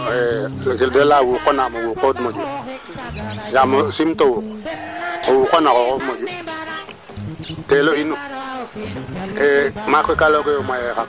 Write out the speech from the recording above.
ok merci beaucoup Waly a ciinja xale i inoox na na pigaxa le ŋot no ax ke ndeeta ngaan keene fop o fokata ngaan ax ke o mbisa koɓale buko yasa yipaa